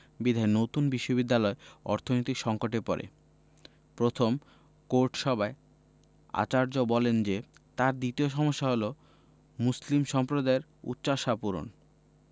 বিধায় নতুন বিশ্ববিদ্যালয় অর্থনৈতিক সংকটে পড়ে প্রথম কোর্ট সভায় আচার্য বলেন যে তাঁর দ্বিতীয় সমস্যা হলো মুসলিম সম্প্রদায়ের উচ্চাশা পূরণ